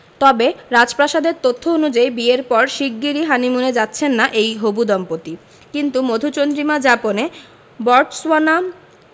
তবে রাজপ্রাসাদের তথ্য অনুযায়ী বিয়ের পর শিগগিরই হানিমুনে যাচ্ছেন না এই হবু দম্পতি কিন্তু মধুচন্দ্রিমা যাপনে বটসওয়ানা